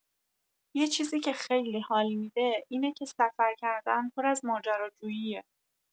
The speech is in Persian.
یه چیزی که خیلی حال می‌ده اینه که سفر کردن پر از ماجراجوییه.